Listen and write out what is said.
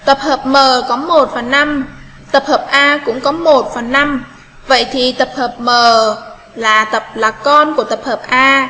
tập hợp m có phần tập hợp a cũng có một phần vậy thì tập hợp m là tập là con của tập hợp a